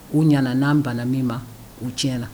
U ɲɛna n'an banna min ma u tiɲɛna